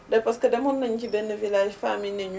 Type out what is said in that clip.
dem parce que demoon nañu ci benn vilage femmes yi nañu